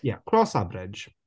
Ie cross that bridge.